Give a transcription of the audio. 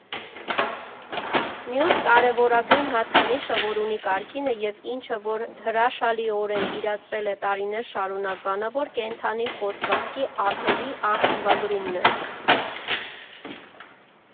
Մյուս կարևորագույն հատկանիշը, որ ունի Կարգինը և ինչը որ հրաշալիորեն իրացրել է տարիներ շարունակ՝ բանավոր կենդանի խոսվածքի ահռելի արխիվագրումն է։